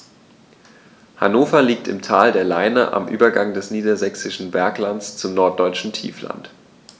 Hannover liegt im Tal der Leine am Übergang des Niedersächsischen Berglands zum Norddeutschen Tiefland.